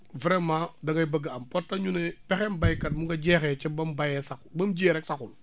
vraiment da ngay bëgg a am parce que ñu ne pexe baykat mu nga jeexee ca ba mu bayee sax ba mu jiyee rek saxul